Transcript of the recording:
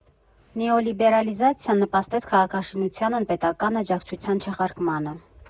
Նեոլիբերալիզացիան նպաստեց քաղաքաշինությանը պետական աջակցության չեղարկմանը։